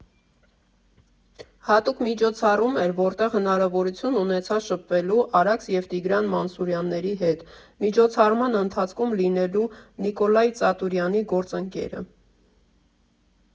Հատուկ միջոցառում էր, որտեղ հնարավորություն ունեցա շփվելու Արաքս և Տիգրան Մանսուրյանների հետ, միջոցառման ընթացքում լինելու Նիկոլայ Ծատուրյանի «գործընկերը»։